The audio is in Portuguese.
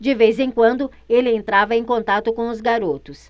de vez em quando ele entrava em contato com os garotos